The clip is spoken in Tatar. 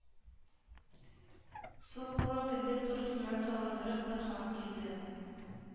Сул кулын кендек турысыннан салындырып борһан килде